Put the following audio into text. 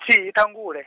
thihi ṱhangule.